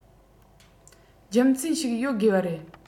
རྒྱུ མཚན ཞིག ཡོད དགོས པ རེད